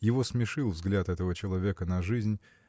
Его смешил взгляд этого человека на жизнь.